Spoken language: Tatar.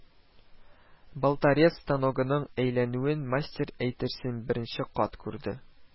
Болторез станогының әйләнүен мастер әйтерсең беренче кат күрде